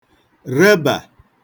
rebà